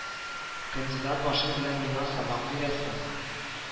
Кандидат башың белән миңа сабак бирәсең